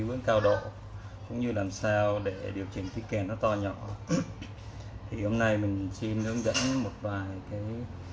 và giữ vững cao độ cũng như làm sao để điều chỉnh to nhỏ khi chơi kèn hôm nay tôi xin hướng dẫn một vài